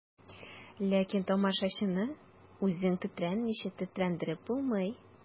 Ләкин тамашачыны үзең тетрәнмичә тетрәндереп булмый.